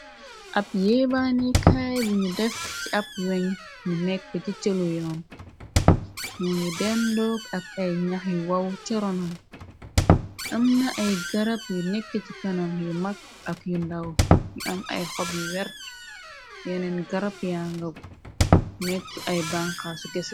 Ab yéebaan ni kaay bunu def ci ab weah mu nekk ci cëlu yoon moo ngi dendoog ak ay ñax yu waw cha ronam am na ay garab yu nekk ci kanam yu mag ak yu ndàw yu am ay xob yu werte yeneen garab yaa nga nekku ay banxaa su kese.